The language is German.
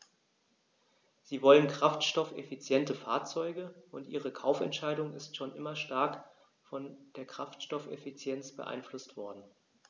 Sie wollen kraftstoffeffiziente Fahrzeuge, und ihre Kaufentscheidung ist schon immer stark von der Kraftstoffeffizienz beeinflusst worden.